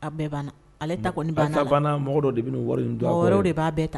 Banna ale ta kɔni ta banna mɔgɔ dɔ de bɛ wari in de b'a bɛɛ ta